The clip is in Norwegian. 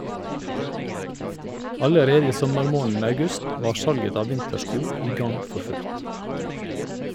Allerede i sommermåneden august var salget av vintersko i gang for fullt.